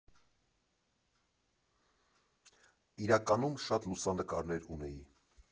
Իրականում շատ լուսանկարներ ունեի։